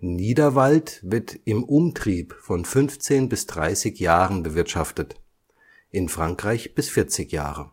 Niederwald wird im Umtrieb von 15 bis 30 Jahren bewirtschaftet, in Frankreich bis 40 Jahre.